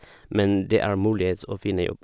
Men det er mulighet å finne jobb.